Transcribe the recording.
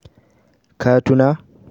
Ka tuna?